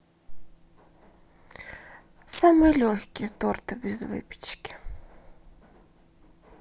самые легкие торты без выпечки